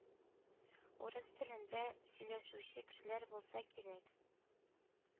Урыс телендә сөйләшүче кешеләр булса кирәк.